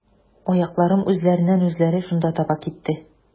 Аякларым үзләреннән-үзләре шунда таба китте.